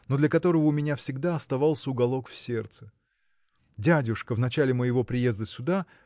но для которого у меня всегда оставался уголок в сердце. Дядюшка в начале моего приезда сюда